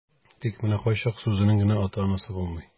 Тик менә кайчак сүзенең генә атасы-анасы булмый.